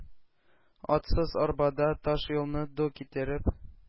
Атсыз арбада таш юлны ду китереп,